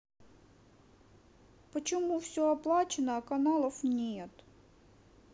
почему все оплачено а каналов нет